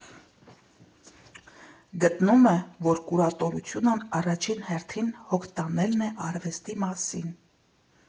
Գտնում է, որ կուրատորությունն առաջին հերթին հոգ տանելն է արվեստի մասին.